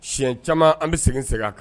Siɲɛ caman an bɛ segin segin a kan